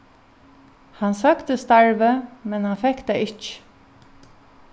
hann søkti starvið men hann fekk tað ikki